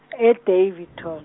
e- Daveyton.